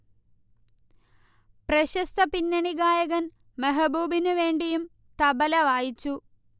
പ്രശസ്ത പിന്നണിഗായകൻ മെഹബൂബിനു വേണ്ടിയും തബല വായിച്ചു